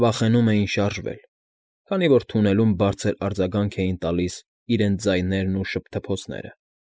Վախենում էին շարժվել, քանի որ թունելում բարձր արձագանք էին տալիս իրենց ձայներն ու շփթփոցները։